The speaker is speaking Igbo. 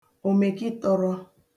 òmèkịtọrọ